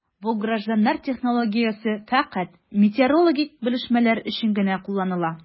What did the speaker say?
Бу гражданнар технологиясе фәкать метеорологик белешмәләр алу өчен генә кулланыла...